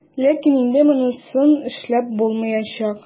Ләкин инде монысын эшләп булмаячак.